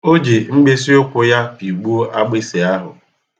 O ji mkpịsịụkwụ ya pịgbuo agbịsị ahụ.